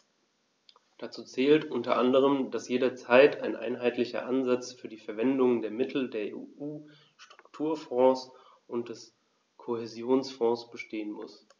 Dazu zählt u. a., dass jederzeit ein einheitlicher Ansatz für die Verwendung der Mittel der EU-Strukturfonds und des Kohäsionsfonds bestehen muss.